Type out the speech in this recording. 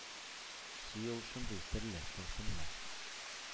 Сөю ул шундый, серле, тылсымлы,